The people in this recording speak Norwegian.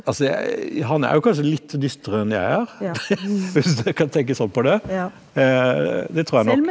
altså jeg han er jo kanskje litt dystrere enn jeg er, hvis du kan tenke sånn på det det tror jeg nok.